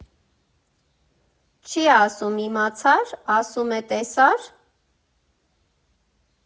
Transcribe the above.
Չի ասում՝ իմացա՞ր, ասում է՝ տեսա՞ր։